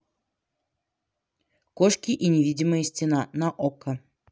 кошки и невидимая стена на окко